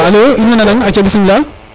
wa alo in way nanang aca bismila